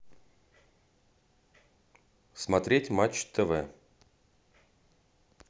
смотреть матч тв